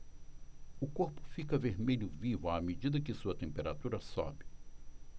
o corpo fica vermelho vivo à medida que sua temperatura sobe